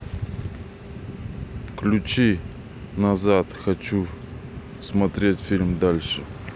включи назад хочу смотреть фильм дальше